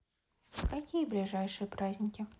какие ближайшие праздники